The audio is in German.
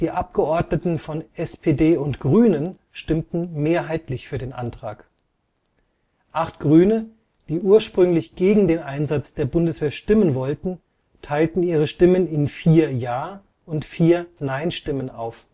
Abgeordneten von SPD und Grünen stimmten mehrheitlich für den Antrag. Acht Grüne, die ursprünglich gegen den Einsatz der Bundeswehr stimmen wollten, teilten ihre Stimmen in vier Ja - und vier Nein-Stimmen auf